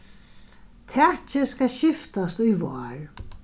takið skal skiftast í vár